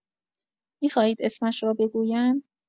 می‌خواهید اسمش را بگویم؟